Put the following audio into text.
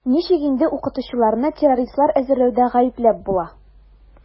Ничек инде укытучыларны террористлар әзерләүдә гаепләп була?